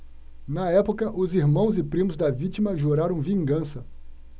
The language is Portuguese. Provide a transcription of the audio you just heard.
na época os irmãos e primos da vítima juraram vingança